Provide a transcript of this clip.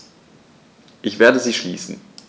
Ich werde sie schließen.